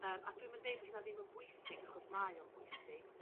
Yym a dwi'm yn deu bo' hynna ddim yn bwysig achos mae o'n bwysig